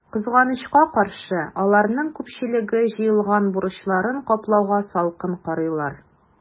Кызганычка каршы, аларның күпчелеге җыелган бурычларын каплауга салкын карыйлар.